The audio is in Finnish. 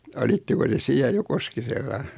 olitteko te siellä jo Koskisella